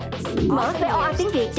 mở vê ô a tiếng việt